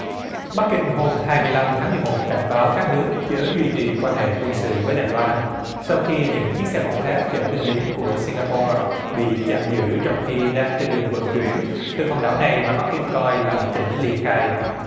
bắc kinh hôm hai mươi lăm tháng mười một cảnh báo các nước chớ duy trì quan hệ quân sự với đài loan sau khi những chiếc xe bọc thép chở binh lính của sinh ga po bị chặn giữ trong khi đang trên đường vận chuyển từ hòn đảo này mà bắc kinh coi là một tỉnh ly khai